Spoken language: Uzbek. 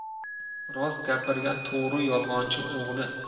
rost gapirgan to'g'ri yolg'onchi o'g'ri